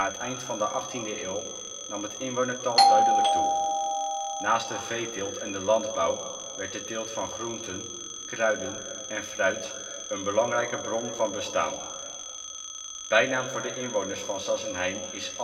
eind van de 18e eeuw nam het inwonertal duidelijk toe. Naast de veeteelt en de landbouw werd de teelt van groenten, kruiden en fruit een belangrijke bron van bestaan. Bijnaam voor de inwoners van Sassenheim is